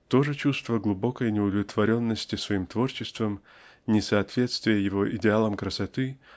То же чувство глубокой неудовлетворенности своим творчеством несоответствие его идеалам красоты